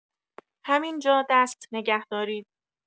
همین‌جا دست نگه دارید.